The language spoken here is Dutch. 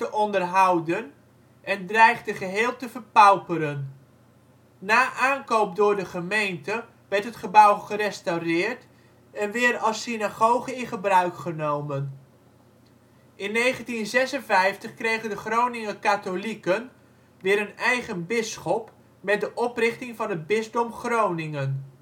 onderhouden en dreigde geheel te verpauperen. Na aankoop door de gemeente werd het gebouw gerestaureerd en weer als synagoge in gebruik genomen. In 1956 kregen de Groninger katholieken weer een eigen bisschop met de oprichting van het bisdom Groningen